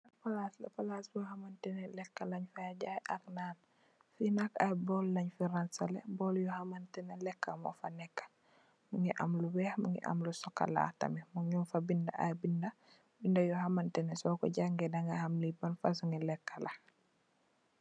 Palace bi , palace bo hamantene lekka leen fa jaye ak nan. Li nak ay bool leen fa rangsalè, bool yo hamantene lekka mo fa nekka. Mungi am lu weeh, mungi am lu sokola tamit. Nung fa binda ay binda. Binda yo hamantene do ko jàngay daga hamne ban fasung ngi lekka la